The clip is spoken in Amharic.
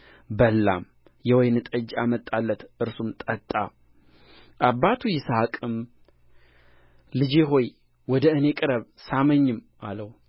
በላም የወይን ጠጅ አመጣለት እርሱም ጠጣ አባቱ ይስሐቅም ልጄ ሆይ ወደ እኔ ቅረብ ሳመኝም አለው